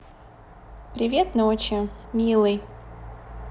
привет ночи милый